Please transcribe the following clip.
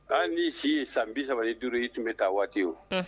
K' ni si san bi saba duuru in tun bɛ taa waati o